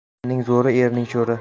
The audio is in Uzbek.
xotinning zo'ri erning sho'ri